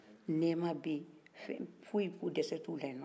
nɛma bɛye foyi foyi dɛsɛ t'u la